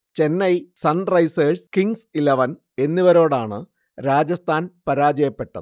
Chennai, Sunrisers, Kings eleven എന്നിവരോടാണ് രാജസ്ഥാൻ പരാജയപ്പെട്ടത്